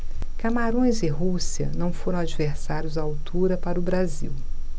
camarões e rússia não foram adversários à altura para o brasil